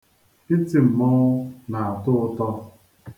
Iti mmọnwụ na-atọ ụtọ.